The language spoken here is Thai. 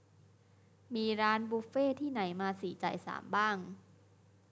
มีร้านบุฟเฟต์ที่ไหนมาสี่จ่ายสามบ้าง